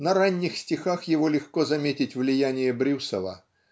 На ранних стихах его легко заметить влияние Брюсова